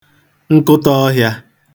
nkụtā ọ̄hịā